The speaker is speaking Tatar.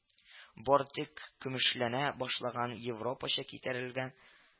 Бары тик көмешләнә башлаган, европача китәрелгән